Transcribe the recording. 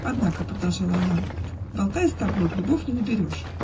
Однако, -- продолжала она, -- болтая с тобою, грибов не наберешь.